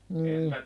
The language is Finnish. niin